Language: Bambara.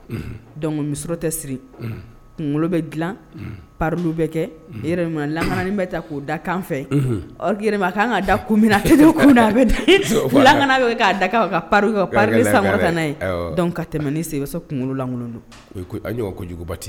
Misi tɛ siri kunkolo bɛ dila bɛ kɛ yɛrɛ lamanain bɛ taa k'o da fɛ kan ka da bɛ la k'a da ka sata n'a ka tɛmɛ sen i bɛ kunkololankolon don ko kojugu jugubati